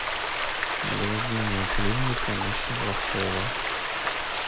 глазная клиника на шолохова